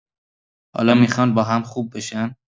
حالا میخوان با هم خوب بشن؟